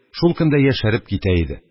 Шул көндә яшәреп китә иде.